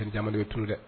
Jamu ye tun dɛ